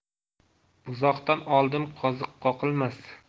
buzoqdan oldin qoziq qoqilmas